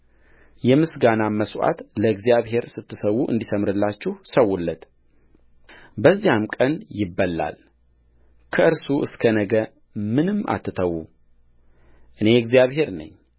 የምስጋናንም መሥዋዕት ለእግዚአብሔር ስትሠዉ እንዲሠምርላችሁ ሠዉለትበዚያው ቀን ይበላል ከእርሱ እስከ ነገ ምንም አትተዉ እኔ እግዚአብሔር ነኝ